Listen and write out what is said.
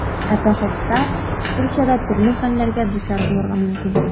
Ә походта, экскурсиядә төрле хәлләргә дучар булырга мөмкин.